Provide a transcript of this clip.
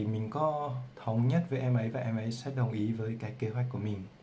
mình có thống nhất với em ấy và em ấy đã đồng ý với kế hoạch của mình